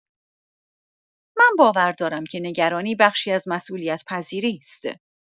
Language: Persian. من باور دارم که نگرانی بخشی از مسئولیت‌پذیری است.